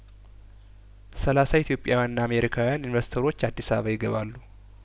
ሰላሳ ኢትዮጵያውያንና አሜሪካውያን ኢንቨስተሮች አዲስ አበባ ይገባሉ